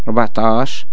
ربعطاش